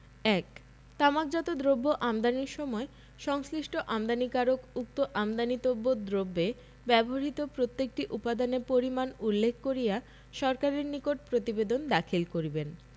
১ তামাকজাত দ্রব্য আমদানির সময় সংশ্লিষ্ট আমদানিকারক উক্ত আমদানিতব্য দ্রব্যে ব্যবহৃত প্রত্যেকটি উপাদানের পরিমাণ উল্লেখ করিয়া সরকারের নিকট প্রতিবেদন দাখিল করিবেন